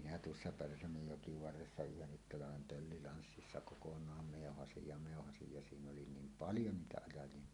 minä tuossa Pärsämöjoen varressa yhden talven pöllilanssissa kokonaan meuhasin ja meuhasin ja siinä oli niin paljon niitä ajajia